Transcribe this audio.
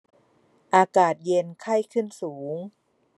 อากาศเย็นไข้ขึ้นสูง